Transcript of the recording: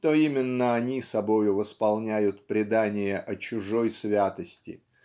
то именно они собою восполняют предание о чужой святости